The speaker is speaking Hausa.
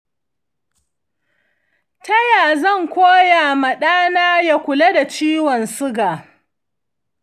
ta ya zan koya na ma ɗana ya kula da ciwon siga?